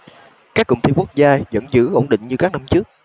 các cụm thi quốc gia vẫn giữ ổn định như các năm trước